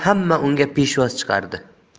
hamma unga peshvoz chiqardi